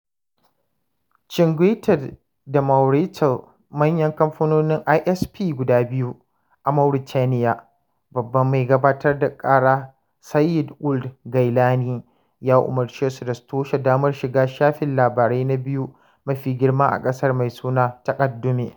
Chinguitel da Mauritel, manyan kamfanonin ISP guda biyu a Mauritania, Babban Mai Gabatar da Ƙara, Seyid Ould Ghaïlani, ya umarce su da su toshe damar shiga shafin labarai na biyu mafi girma a ƙasar, mai suna Taqadoumy.